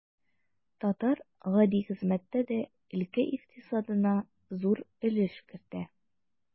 Татар гади хезмәттә дә өлкә икътисадына зур өлеш кертә.